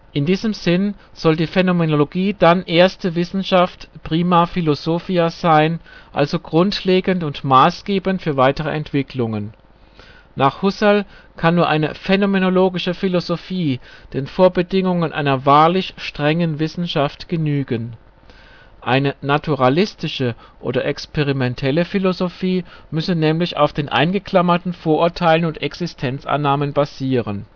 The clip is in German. In diesem Sinne soll die Phänomenologie dann " erste Wissenschaft " (Prima philosophia) sein, also grundlegend und maßgebend für weitere Entwicklungen. Nach Husserl kann nur eine phänomenologische Philosophie den Vorbedingungen einer wahrlich strengen Wissenschaft genügen. Eine naturalistische oder experimentelle Philosophie müsse nämlich auf den eingeklammerten Vorurteilen und Existenzannahmen basieren